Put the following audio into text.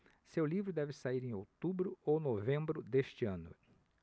seu livro deve sair em outubro ou novembro deste ano